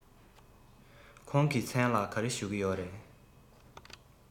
ཁོང གི མཚན ལ ག རེ ཞུ གི ཡོད རེད